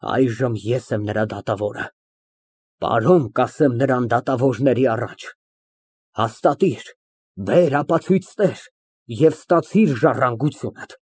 Այժմ ես էլ եմ նրա դատավորը։ «Պարոն, կասեմ նրան, դատավորների առաջ, հաստատիր, բեր ապացույցներ և ժառանգությունդ ստացիր»։